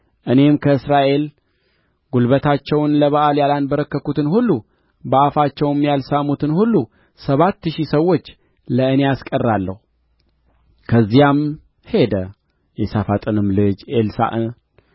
እኔም ከእስራኤል ጕልበታቸውን ለበኣል ያላንበረከኩትን ሁሉ በአፋቸውም ያልሳሙትን ሁሉ ሰባት ሺህ ሰዎች ለእኔ አስቀራለሁ ከዚያም ሄደ የሣፋጥንም ልጅ ኤልሳዕን